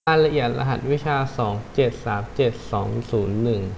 รายละเอียดรหัสวิชาสองเจ็ดสามเจ็ดสองศูนย์หนึ่ง